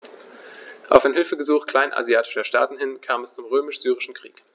Auf ein Hilfegesuch kleinasiatischer Staaten hin kam es zum Römisch-Syrischen Krieg.